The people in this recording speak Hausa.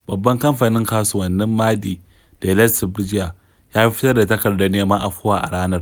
Babban kamfani kasuwannin Maɗi, Delez Srbija, ya fitar da takardar neman afuwa a ranar.